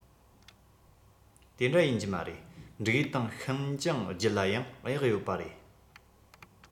དེ འདྲ ཡིན གྱི མ རེད འབྲུག ཡུལ དང ཤིན ཅང རྒྱུད ལ ཡང གཡག ཡོད རེད